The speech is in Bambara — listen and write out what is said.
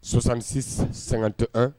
Sɔsan misisi sɛgɛnga tɛ an